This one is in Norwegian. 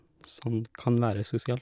Sånn kan være sosial.